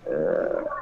Un